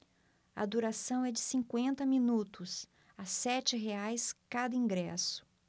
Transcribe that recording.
a duração é de cinquenta minutos a sete reais cada ingresso